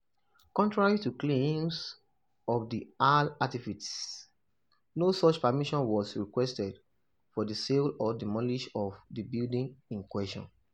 Contrary to the claims of the AL activists, no such permission was requested for the sale or demolition of the building in question.